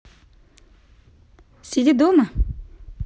сидя дома